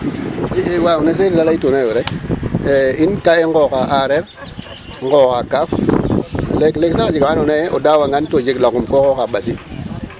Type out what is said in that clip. II waw ne Serir a laytuna yo rek in ka i nqooxaq aqreer, nqooxaq kaaf leeg leeg sax a jega wa andoona yee o daewangean to jeg langum ko xooxa ɓasi.